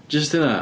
Jyst hynna?